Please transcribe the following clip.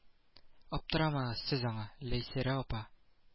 Аптырамагыз сез аңа, Ләйсәрә апа